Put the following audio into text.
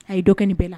A y ye dɔ kɛ bɛɛ la